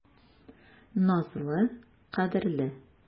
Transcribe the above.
Назлы, кадерле.